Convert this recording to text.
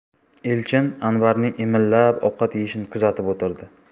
elchin anvarning imillab ovqat yeyishini kuzatib o'tirdi